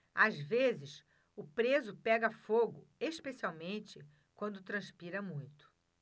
às vezes o preso pega fogo especialmente quando transpira muito